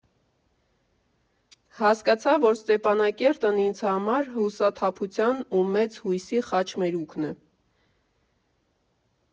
Հասկացա, որ Ստեփանակերտն ինձ համար հուսահատության ու մեծ հույսի խաչմերուկն է։